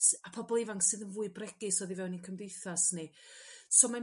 s- a pobol ifanc sydd yn fwy bregus oddi fewn ein cymdeithas ni. So ma'n